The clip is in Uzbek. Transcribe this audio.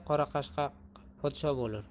qorashaqshaq podsho bo'lur